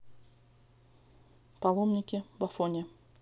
паломники в афоне